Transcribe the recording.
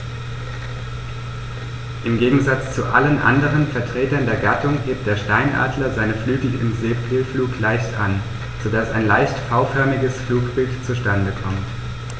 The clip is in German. Im Gegensatz zu allen anderen Vertretern der Gattung hebt der Steinadler seine Flügel im Segelflug leicht an, so dass ein leicht V-förmiges Flugbild zustande kommt.